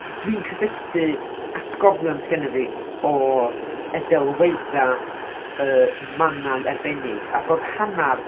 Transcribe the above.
Dwi'n cysylltu atgofion 'sgynna fi, o y delweddau. Y mannau arbennig ac oedd hanner...